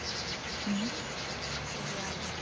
мне тоже приятно